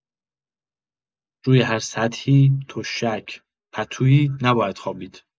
روی هر سطحی، تشک، پتویی نباید خوابید.